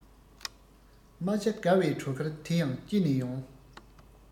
རྨ བྱ དགའ བའི བྲོ གར དེ ཡང ཅི ནས འོང